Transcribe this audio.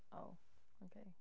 O, ocê.